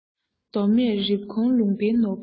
མདོ སྨད རེབ གོང ལུང པའི ནོར བུ ཡིན